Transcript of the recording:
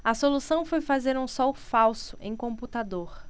a solução foi fazer um sol falso em computador